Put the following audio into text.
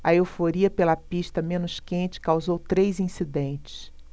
a euforia pela pista menos quente causou três incidentes